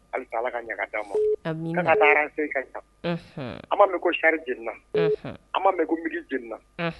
A bɛ taa ala ka ɲaga d' ma ka da se ka an ma mɛn ko sari jina an ma mɛn ko miki jina